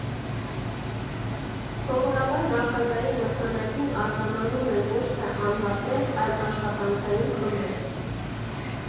Սովորաբար Նախագահի մրցանակին արժանանում են ոչ թե անհատներ, այլ աշխատանքային խմբեր։